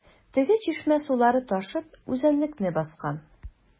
Теге чишмә сулары ташып үзәнлекне баскан.